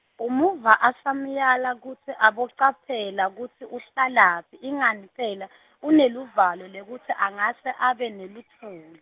Umuva asamyala kutsi abe caphela kutsi uhlalaphi ingani phela , uneluvalo lekutsi angase abe nelutfuli.